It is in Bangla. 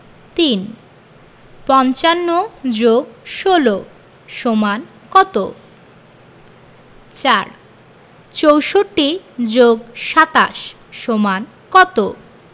৩ ৫৫ + ১৬ = কত ৪ ৬৪ + ২৭ = কত